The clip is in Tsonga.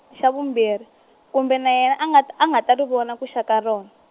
xa vumbirhi, kumbe na yena a nga, a nga ta ri vona ku xa ka rona.